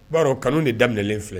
B'a dɔn kanu de daminɛ filɛ